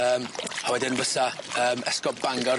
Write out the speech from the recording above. Yym a wedyn fysa yym Esgob Bangor.